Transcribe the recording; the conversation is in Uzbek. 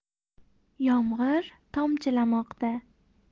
yomg'ir tomchilamoqda